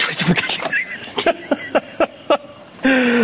Dwi ddim yn gallu.